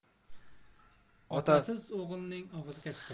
otasiz o'g'ilning og'zi katta